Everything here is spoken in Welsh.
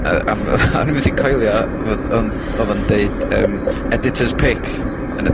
yy, a my- a o'n i methu coelio fod yym, odd o'n deud yym editors pick yn y